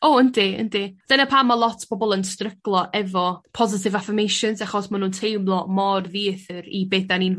O yndi yndi dyna pam ma' lot pobol yn stryglo efo positive affirmations achos ma' nw'n teimlo mor ddieithr i be' 'dan ni'n